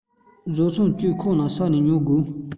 བཟོ ཚོང ཅུས ཁོ ནའི ས ནས ཉོ དགོས